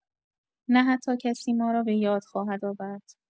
نه حتی کسی ما را بۀاد خواهد آورد.